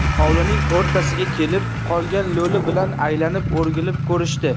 hovlining o'rtasiga kelib qolgan lo'li bilan aylanib o'rgilib ko'rishdi